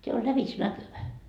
tämä on lävitsenäkyvä